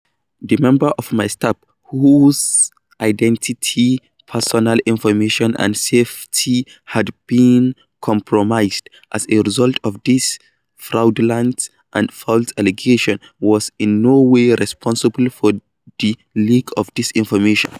"The member of my staff - whose identity, personal information, and safety have been compromised as a result of these fraudulent and false allegations - was in no way responsible for the leak of this information.